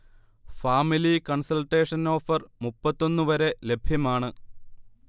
family consultation offer മുപ്പത്തി ഒന്ന് വരെ ലഭ്യമാണ്